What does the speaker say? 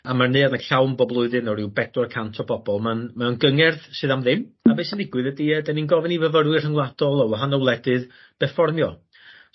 A ma'r neuadd yn llawn bob blwyddyn o ryw bedwar cant o bobol ma'n mae o'n gyngerdd sydd am ddim a be' sy'n ddigwydd ydi yy 'dyn ni'n gofyn i fyfyrwyr rhyngwladol o wahanol wledydd berfformio